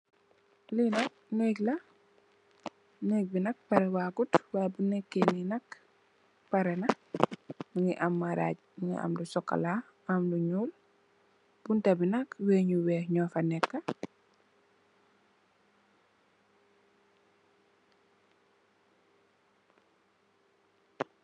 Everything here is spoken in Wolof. linak nege la nege bi nak paregut way buneke ni nak parena mugi am maragi am lu socola am lu njul buntabi nak wani bu wex mofaneka